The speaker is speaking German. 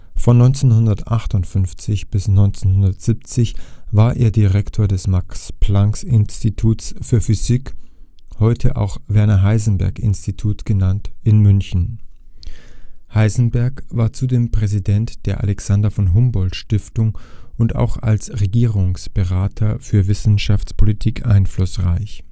von 1958 bis 1970 war er Direktor des Max-Planck-Instituts für Physik (heute auch Werner-Heisenberg-Institut genannt) in München. Heisenberg war zudem Präsident der Alexander von Humboldt-Stiftung und auch als Regierungsberater für Wissenschaftspolitik einflussreich